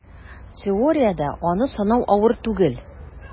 Теориядә аны санау авыр түгел: